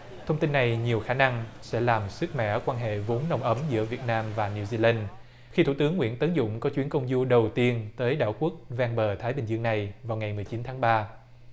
thông tin này nhiều khả năng sẽ làm sứt mẻ quan hệ vốn nồng ấm giữa việt nam và niu di lân khi thủ tướng nguyễn tấn dũng có chuyến công du đầu tiên tới đảo quốc ven bờ thái bình dương này vào ngày mười chín tháng ba